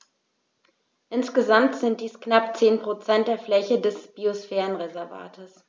Insgesamt sind dies knapp 10 % der Fläche des Biosphärenreservates.